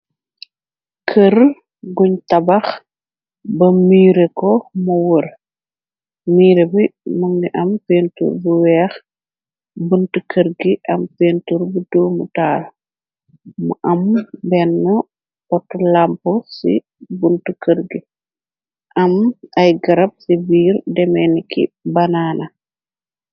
Kër guñ tabax ba miire ko mowër miire bi më ngi am pentur bu weex. Bunt kër gi am pentur bu duumu taal. Mu am benn pot lamp ci bunt kër gi am ay garab ci biir demeniki banaana.